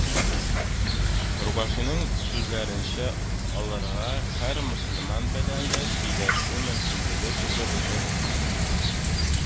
Рубашный сүзләренчә, аларга һәр мөселман белән дә сөйләшү мөмкинлеге тудырылган